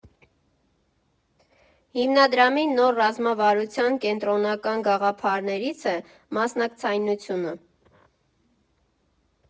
Հիմնադրամի նոր ռազմավարության կենտրոնական գաղափարներից է մասնակցայնությունը։